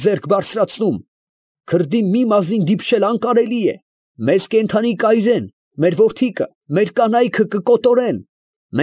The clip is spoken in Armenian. Ձեռք բարձրացնում. քրդի մի մազին դիպչել անկարելի է. մեզ կենդանի կայրեն, մեր որդիքը, մեր կանայքը կկոտորեն։